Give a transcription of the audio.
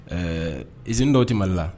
Ɛɛ nzi dɔw te maliri la